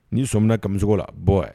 Ni sɔ minnamina kami la bɔ